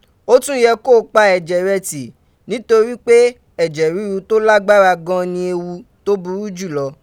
Ó tún yẹ kó o pa ẹ̀jẹ̀ rẹ tì, nítorí pé ẹ̀jẹ̀ ríru tó lágbára gan an ni ewu tó burú jùlọ.